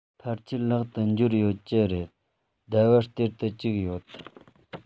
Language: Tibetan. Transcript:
ཕལ ཆེར ལག ཏུ འབྱོར ཡོད ཀྱི རེད ཟླ བར སྟེར དུ བཅུག ཡོད